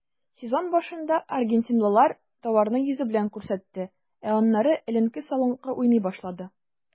Сезон башында аргентинлылар тауарны йөзе белән күрсәтте, ә аннары эленке-салынкы уйный башлады.